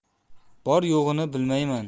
bor yo'g'ini bilmayman